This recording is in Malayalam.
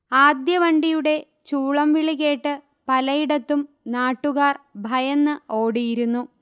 ആദ്യവണ്ടിയുടെ ചൂളം വിളികേട്ട് പലയിടത്തും നാട്ടുകാർ ഭയന്ന് ഓടിയിരുന്നു